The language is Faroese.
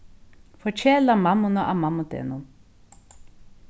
forkela mammuna á mammudegnum